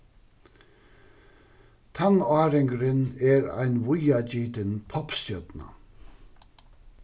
tannáringurin er ein víðagitin poppstjørna